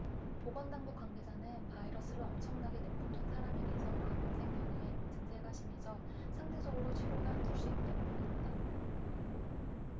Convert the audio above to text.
보건당국 관계자는 바이러스를 엄청나게 내뿜는 사람에게서 감염된 경우엔 증세가 심해져 상대적으로 치료가 힘들 수 있다고 말했다